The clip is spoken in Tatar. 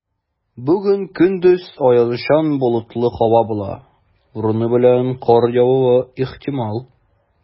Бүген көндез аязучан болытлы һава була, урыны белән кар явуы ихтимал.